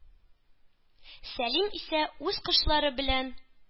Сәлим исә үз кошлары белән